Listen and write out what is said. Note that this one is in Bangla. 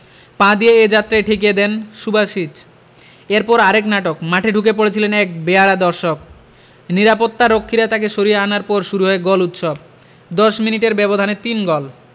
পা দিয়ে এ যাত্রায় ঠেকিয়ে দেন সুবাসিচ এরপর আরেক নাটক মাঠে ঢুকে পড়েছিলেন এক বেয়াড়া দর্শক নিরাপত্তারক্ষীরা তাকে সরিয়ে আনার পর শুরু হয় গোল উৎসব ১০ মিনিটের ব্যবধানে তিন গোল